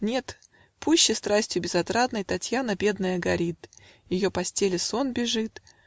Нет, пуще страстью безотрадной Татьяна бедная горит Ее постели сон бежит